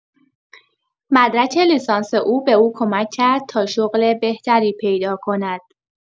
مدرک لیسانس او به او کمک کرد تا شغل بهتری پیدا کند.